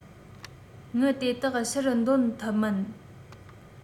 དངུལ དེ དག ཕྱིར འདོན ཐུབ མིན